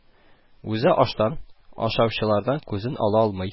Үзе аштан, ашаучылардан күзен ала алмый